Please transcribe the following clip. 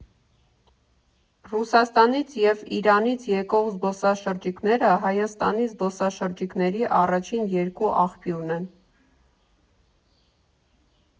Ռուսաստանից և Իրանից եկող զբոսաշրջիկները Հայաստանի զբոսաշրջիկների առաջին երկու աղբյուրն են։